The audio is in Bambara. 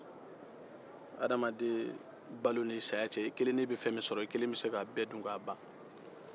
adamaden balo ni saya ce i kelen be fɛn min sɔrɔ i kelen bɛ se k'a bɛɛ dun k'a ban